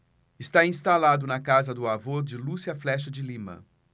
está instalado na casa do avô de lúcia flexa de lima